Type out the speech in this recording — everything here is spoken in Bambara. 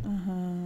Unhun